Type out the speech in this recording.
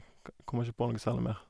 ka Kommer ikke på noe særlig mer.